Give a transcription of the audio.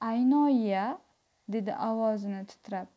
aynoniya dedi ovozi titrab